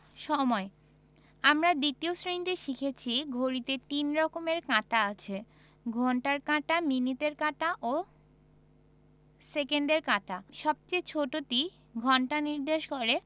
সময় আমরা ২য় শ্রেণিতে শিখেছি ঘড়িতে ৩ রকমের কাঁটা আছে ঘণ্টার কাঁটা মিনিটের কাঁটা ও সেকেন্ডের কাঁটা সবচেয়ে ছোটটি ঘন্টা নির্দেশ করে